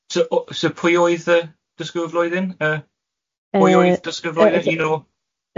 So o- so pwy oedd y dysgwr y flwyddyn yy pwy oedd yy dysgwr y flwyddyn? un o... Yy mam fi.